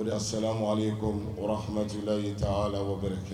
O sa ko hajlayi taa alabɔ bɛ kɛ